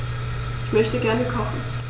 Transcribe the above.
Ich möchte gerne kochen.